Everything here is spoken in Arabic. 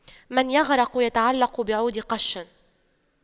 من يغرق يتعلق بعود قش